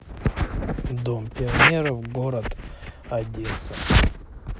дом пионеров город одесса